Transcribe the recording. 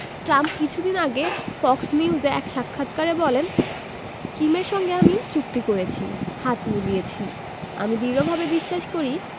Trump কিছুদিন আগে Fox নিউজে এক সাক্ষাৎকারে বলেন কিমের সঙ্গে আমি চুক্তি করেছি হাত মিলিয়েছি আমি দৃঢ়ভাবে বিশ্বাস করি